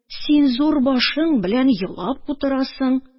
Син зур башың белән елап утырасың